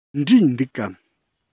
འབྲས འདུག གམ